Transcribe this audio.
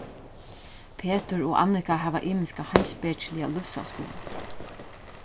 petur og annika hava ymiska heimspekiliga lívsáskoðan